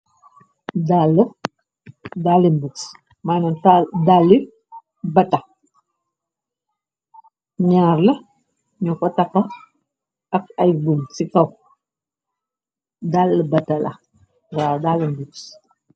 Dall dalinbuks mana ali bata ñaar la ñu ko tafa ak ay bum ci kaw dall bata la war dalingbuks.